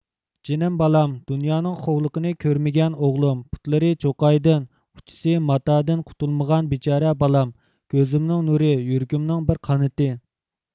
جېنىم بالام دۇنيانىڭ خوۋلۇقىنى كۆرمىگەن ئوغلۇم پۇتلىرى چوقايدىن ئۇچىسى ماتادىن قۇتۇلمىغان بىچارە بالام كۆزۈمنىڭ نۇرى يۈرىكىمنىڭ بىر قانىتى